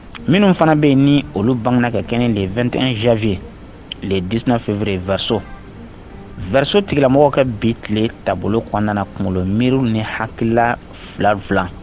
Minnu fana be ye nii olu baŋena kɛ kɛɲɛ ni le 21 janvier le 19 février verso verso tigilamɔgɔw ka bi tile taabolo kɔɔna na kungolo miiriw ni hakilila filan_filan